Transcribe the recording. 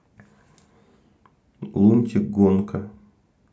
лунтик гонка